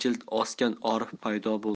jild osgan orif paydo bo'ldi